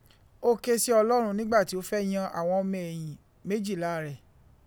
Ó késí Ọlọ́run nígbà tí ó fẹ̀yàn án àwọn ọmọ ẹ̀yìn méjìlá Rẹ̀.